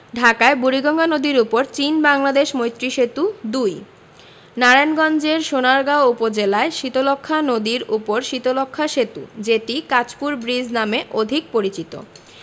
ঢাকায় বুড়িগঙ্গা নদীর উপর চীন বাংলাদেশ মৈত্রী সেতু ২ নারায়ণগঞ্জের সোনারগাঁও উপজেলায় শীতলক্ষ্যা নদীর উপর শীতলক্ষ্যা সেতু যেটি কাঁচপুর ব্রীজ নামে অধিক পরিচিত